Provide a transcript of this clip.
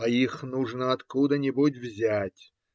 А их нужно откуда-нибудь взять.